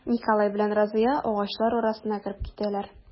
Николай белән Разия агачлар арасына кереп китәләр.